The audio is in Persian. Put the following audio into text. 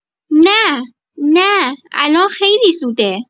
نه، نه الان خیلی زوده.